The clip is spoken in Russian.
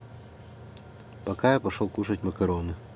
пока я пошел кушать макароны